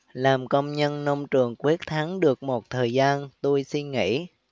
làm công nhân nông trường quyết thắng được một thời gian tui xin nghỉ